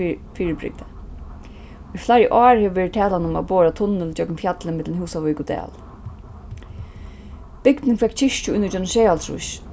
fyribrigdi í fleiri ár hevur verið talan um at bora tunnil gjøgnum fjallið millum húsavík og dal bygdin fekk kirkju í nítjan hundrað og sjeyoghálvtrýss